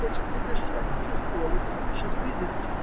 Хочется дышать, чувствовать, слышать, видеть